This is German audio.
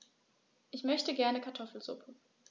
Ich möchte gerne Kartoffelsuppe.